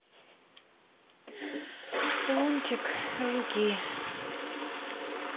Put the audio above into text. лунтик жуки